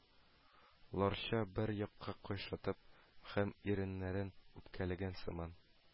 Ларча бер якка кыйшайтып һәм иреннәрен үпкәләгән сыман